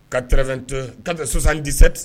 Ka t'te sɔsan dese